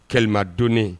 Kɛlɛlima donnen